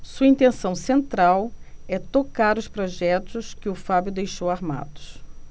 sua intenção central é tocar os projetos que o fábio deixou armados